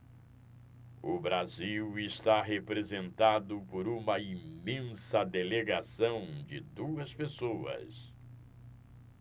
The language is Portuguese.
o brasil está representado por uma imensa delegação de duas pessoas